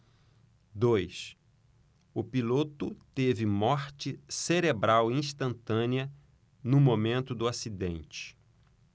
dois o piloto teve morte cerebral instantânea no momento do acidente